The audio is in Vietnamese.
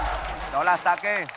đó là sa kê